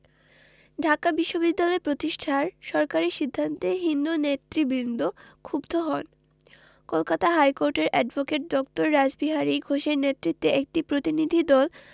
ঢাকা বিশ্ববিদ্যালয় প্রতিষ্ঠার সরকারি সিদ্ধান্তে হিন্দু নেতৃবৃন্দ ক্ষুব্ধ হন কলকাতা হাইকোর্টের অ্যাডভোকেট ড. রাসবিহারী ঘোষের নেতৃত্বে একটি প্রতিনিধিদল